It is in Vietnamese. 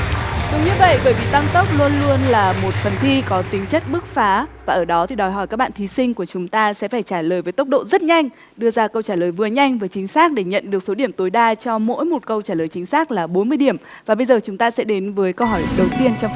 đúng như vậy bởi vì tăng tốc luôn luôn là một phần thi có tính chất bứt phá và ở đó thì đòi hỏi các bạn thí sinh của chúng ta sẽ phải trả lời với tốc độ rất nhanh đưa ra câu trả lời vừa nhanh vừa chính xác để nhận được số điểm tối đa cho mỗi một câu trả lời chính xác là bốn mươi điểm và bây giờ chúng ta sẽ đến với câu hỏi đầu tiên trong